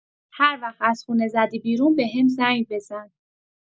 هر وقت از خونه زدی بیرون بهم زنگ بزن.